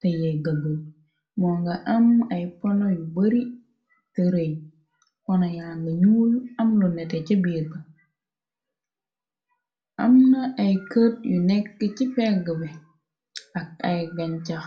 te yee gëgul moo nga am ay pono yu bari tëray pono ya nga ñuul am lu neteh ca biirba am na ay keet yu nekk ci pegg be ak ay gañcax.